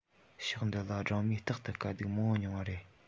ཕྱོགས འདི ལ སྦྲང མས རྟག ཏུ དཀའ སྡུག མང པོ མྱོང བ རེད